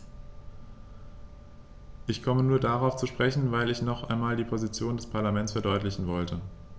Ich komme nur darauf zu sprechen, weil ich noch einmal die Position des Parlaments verdeutlichen wollte.